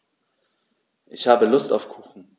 Ich habe Lust auf Kuchen.